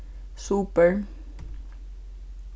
super